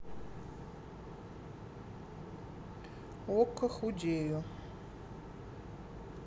окко худею